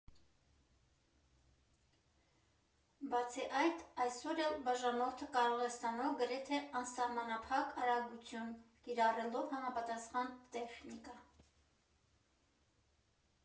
Բացի այդ, այսօր էլ բաժանորդը կարող է ստանալ գրեթե անսահմանափակ արագություն՝ կիրառելով համապատասխան տեխնիկա։